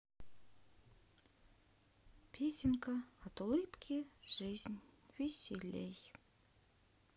песенка от улыбки жизнь веселей